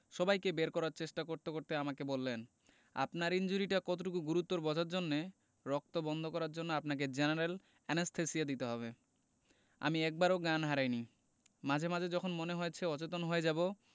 সবাইকে বের করার চেষ্টা করতে করতে আমাকে বললেন আপনার ইনজুরিটা কতটুকু গুরুতর বোঝার জন্যে রক্ত বন্ধ করার জন্যে আপনাকে জেনারেল অ্যানেসথেসিয়া দিতে হবে আমি একবারও জ্ঞান হারাইনি মাঝে মাঝে যখন মনে হয়েছে অচেতন হয়ে যাবো